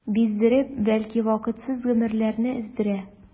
Биздереп, бәлки вакытсыз гомерләрне өздерә.